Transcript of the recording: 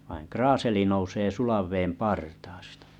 vaan kraaseli nousee sulan veden partaasta